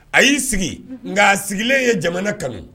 A y'i sigi nka sigilen ye jamana kanu